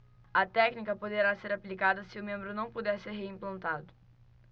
a técnica poderá ser aplicada se o membro não puder ser reimplantado